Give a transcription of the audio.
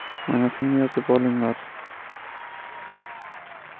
mana shuni yozib olinglar